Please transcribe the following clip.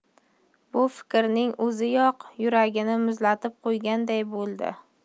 bu fikrning o'ziyoq yuragini muzlatib qo'yganday bo'ldi